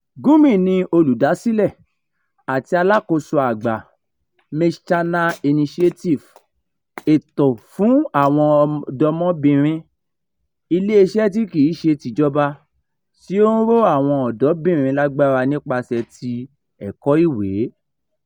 Gyumi ni olùdásílẹ̀ àti alákòóso àgbà Msichana Initiative (Ètò fún àwọn Ọ̀dọ́mọbìnrin), iléeṣẹ́ tí kì í ṣe tìjọba tí ó ń ró àwọn ọmọdébìnrin lágbára nípasẹ̀ ti ẹ̀kọ́ ìwé.